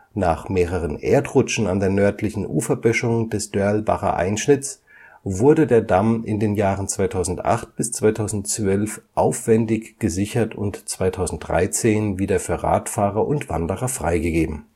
Nach mehreren Erdrutschen an der nördlichen Uferböschung des Dörlbacher Einschnitts wurde der Damm in den Jahren 2008 bis 2012 aufwändig gesichert und 2013 wieder für Radfahrer und Wanderer freigegeben